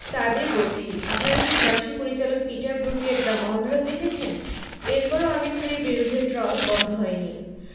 তাঁদের বলছি আপনারা কি ফরাসি পরিচালক পিটার ব্রুকের “দ্য মহাভারত” দেখেছেন এরপরও আমির খানের বিরুদ্ধে ট্রল বন্ধ হয়নি